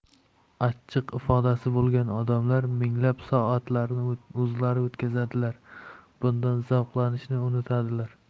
achchiq ifodasi bo'lgan odamlar minglab soatlarni o'zlari o'tkazadilar bundan zavqlanishni unutadilar